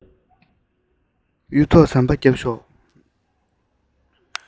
གཡུ ཐོག ཟམ པ བརྒྱབ ཤོག